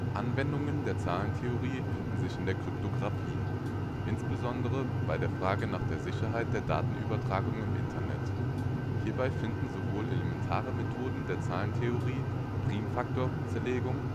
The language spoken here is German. Anwendungen der Zahlentheorie finden sich in der Kryptographie, insbesondere bei der Frage nach der Sicherheit der Datenübertragung im Internet. Hierbei finden sowohl elementare Methoden der Zahlentheorie (Primfaktorzerlegung